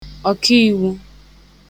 ọ̀kiīwū